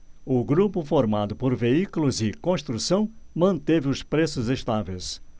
o grupo formado por veículos e construção manteve os preços estáveis